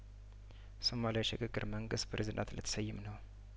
ሶማሊያ የሽግግር መንግስት ፕሬዝዳንት ልትሰይም ነው